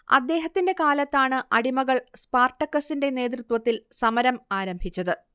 അദ്ദേഹത്തിന്റെ കാലത്താണ് അടിമകൾ സ്പാർട്ടക്കസിന്റെ നേതൃത്വത്തിൽ സമരം ആരംഭിച്ചത്